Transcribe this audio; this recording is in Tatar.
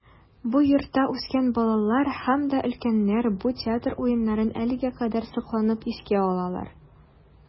Бу йортта үскән балалар һәм дә өлкәннәр бу театр уеннарын әлегә кадәр сокланып искә алалар.